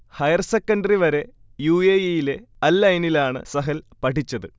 Higher secondary വരെ U. A. E. യിലെ അൽ ഐനിലാണ് സഹൽ പഠിച്ചത്